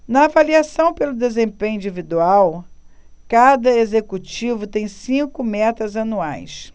na avaliação pelo desempenho individual cada executivo tem cinco metas anuais